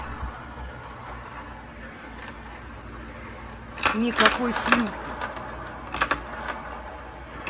и никакой шлюхи